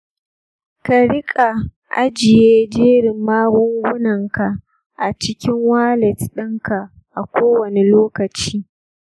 ka riƙa ajiye jerin magungunanka a cikin walat ɗinka a kowane lokaci.